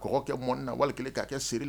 Kɔkɛ mɔn nawale kelen k'a kɛ seli la